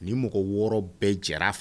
Ni mɔgɔ 6 bɛɛ jara f